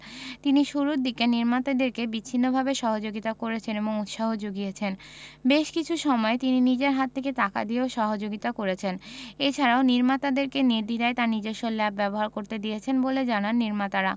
তিনি শুরুর দিকে নির্মাতাদেরকে বিভিন্নভাবে সহযোগিতা করেছেন এবং উৎসাহ যুগিয়েছেন বেশ কিছু সময়ে তিনি নিজের হাত থেকে টাকা দিয়েও সহযোগিতা করেছেন এছাড়াও নির্মাতাদেরকে নির্দ্বিধায় তার নিজস্ব ল্যাব ব্যবহার করতে দিয়েছেন বলে জানান নির্মাতারা